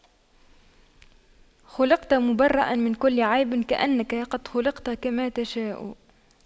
خلقت مُبَرَّأً من كل عيب كأنك قد خُلقْتَ كما تشاء